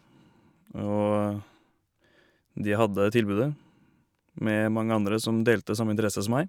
Og de hadde tilbudet med mange andre som delte samme interesse som meg.